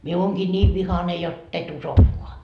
minä olenkin niin vihainen jotta et uskokaan